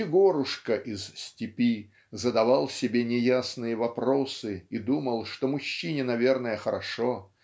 Егорушка из "Степи" задавал себе неясные вопросы и думал что мужчине наверное хорошо